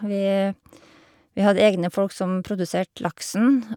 vi Vi hadde egne folk som produserte laksen.